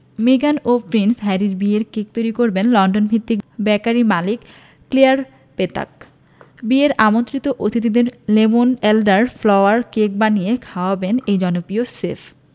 মেগান ও প্রিন্স হ্যারির বিয়ের কেক তৈরি করবেন লন্ডনভিত্তিক বেকারি মালিক ক্লেয়ার পেতাক বিয়ের আমন্ত্রিত অতিথিদের লেমন এলডার ফ্লাওয়ার কেক বানিয়ে খাওয়াবেন এই জনপ্রিয় শেফ